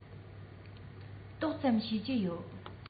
ཏོག ཙམ ཤེས ཀྱི ཡོད